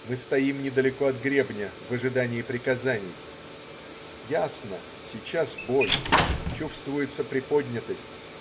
Мы стоим недалеко от гребня, в ожидании приказаний. Ясно: сейчас бой. Чувствуется приподнятость.